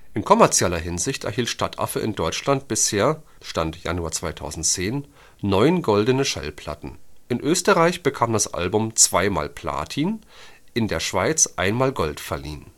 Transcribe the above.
In kommerzieller Hinsicht erhielt Stadtaffe in Deutschland bisher (Stand: Januar 2010) neun Goldene Schallplatten; in Österreich bekam das Album zweimal Platin, in der Schweiz einmal Gold verliehen